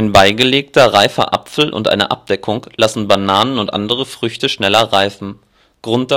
beigelegter reifer Apfel und eine Abdeckung lassen Bananen und andere Früchte schneller reifen (Grund